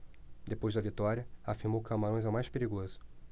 depois da vitória afirmou que camarões é o mais perigoso